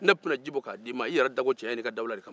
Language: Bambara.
ne tun bɛna ji bɔ k'a di i ma i yɛrɛ cɛɲa ni i ka dawula kama